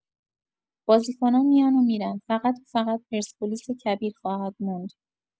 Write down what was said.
بازیکنا میان و می‌رن، فقط و فقط پرسپولیس کبیر خواهد موند.